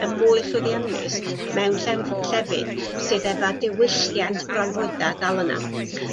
yn mwy llwyddiannus mewn llew- llefydd sydd efo diwylliant bronfwyda dal yna.